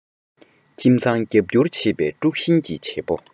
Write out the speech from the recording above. ཁྱིམ ཚང རྒྱབ བསྐྱུར བྱེད པའི དཀྲུག ཤིང གི བྱེད པོ